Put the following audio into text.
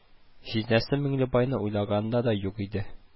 Җизнәсе Миңлебайны уйлаганы да юк иде